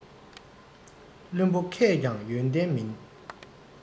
བླུན པོ མཁས ཀྱང ཡོན ཏན མིན